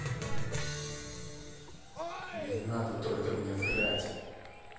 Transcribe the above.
не надо только мне врать